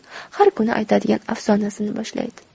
har kuni aytadigan afsonasini boshlaydi